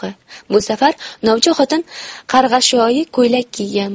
bu safar novcha xotin qarg'ashoyi ko'ylak kiygan